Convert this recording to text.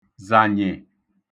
zànyè